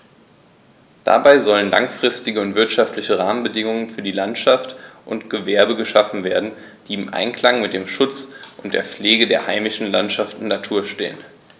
Dabei sollen langfristige und wirtschaftliche Rahmenbedingungen für Landwirtschaft und Gewerbe geschaffen werden, die im Einklang mit dem Schutz und der Pflege der heimischen Landschaft und Natur stehen.